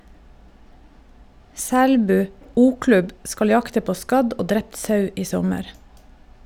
Selbu o-klubb skal jakte på skadd og drept sau i sommer.